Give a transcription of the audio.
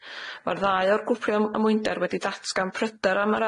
Mae'r ddau o'r gwprio ym- ymwinder wedi datgan pryder am yr